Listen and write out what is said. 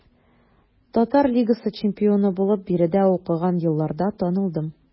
Татар лигасы чемпионы булып биредә укыган елларда танылдым.